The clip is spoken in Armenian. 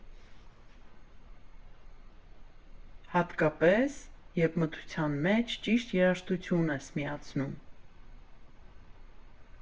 Հատկապես, երբ մթության մեջ ճիշտ երաժշտություն ես միացնում։